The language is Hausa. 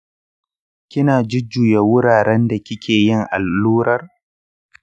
ki na jujjuya wuraren da kike yin allurar?